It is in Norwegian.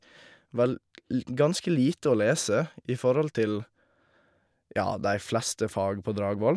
veld ldn Ganske lite å lese i forhold til, ja, de fleste fag på Dragvoll.